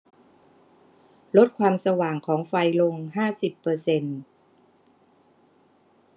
ลดความสว่างของไฟลงห้าสิบเปอร์เซ็นต์